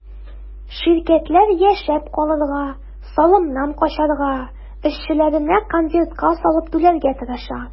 Ширкәтләр яшәп калырга, салымнан качарга, эшчеләренә конвертка салып түләргә тырыша.